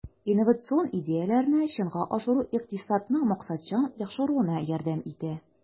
Инновацион идеяләрне чынга ашыру икътисадның максатчан яхшыруына ярдәм итә.